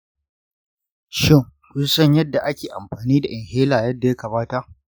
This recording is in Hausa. shin kun san yadda ake amfani da inhaler yadda ya kamata?